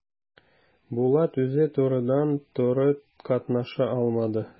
Булат үзе турыдан-туры катнаша алмады.